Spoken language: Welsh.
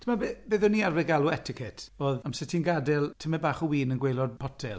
Timod be be oedden ni arfer galw etiquette, oedd amser ti'n gadael tamaid bach o wîn yn gwaelod potel.